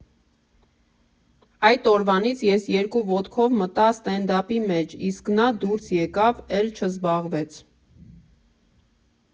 Այդ օրվանից ես երկու ոտքով մտա սթենդափի մեջ, իսկ նա դուրս եկավ, էլ չզբաղվեց։